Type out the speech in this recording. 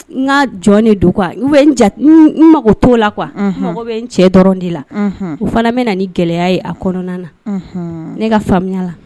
N ka jɔn do kuwa bɛ n mago to la qu mɔgɔ bɛ n cɛ dɔrɔn de la u fana bɛ na ni gɛlɛya ye a kɔnɔna na ne ka faamuya la